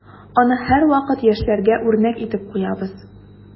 Аны һәрвакыт яшьләргә үрнәк итеп куябыз.